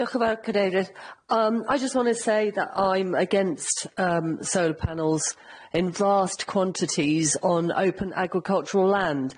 Diolch yn fawr cadeirydd yym I just want to say that I'm against yym solar panels in vast quantities on open agricultural land.